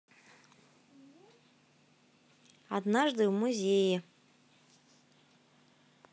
однажды в музее